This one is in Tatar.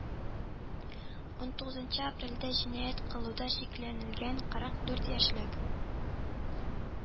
Ун тугызынчы апрельдә җинаять кылуда шикләнелгән кырык дүрт яшьлек